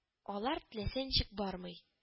Алар теләсә ничек бармый